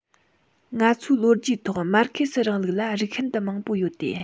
ང ཚོའི ལོ རྒྱུས ཐོག མར ཁེ སིའི རིང ལུགས ལ རིགས ཤིན ཏུ མང པོ ཡོད དེ